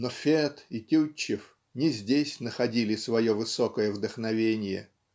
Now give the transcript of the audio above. но Фет и Тютчев не здесь находили свое высокое вдохновенье.